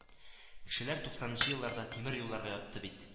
Кешеләр тугызынчы елларда тимерьюлларга ятты бит